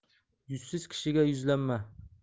yuzsiz kishiga yuzlanma